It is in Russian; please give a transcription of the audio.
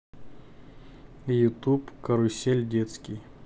ютуб карусель детский